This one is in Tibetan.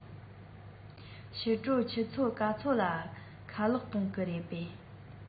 ཕྱི དྲོ ཆུ ཚོད ག ཚོད ལ ཁ ལག གཏོང གི རེད པས